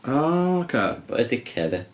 O, ocê... y dickhead ia.